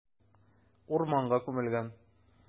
Урманга күмелгән.